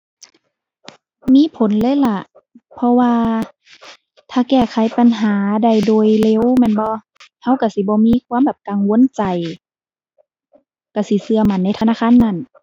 มีผลเลยล่ะ เพราะว่าถ้าแก้ไขปัญหาได้โดยเร็วแม่นบ่ เราเราสิบ่มีความแบบกังวลใจ เราสิเรามั่นในธนาคารนั้น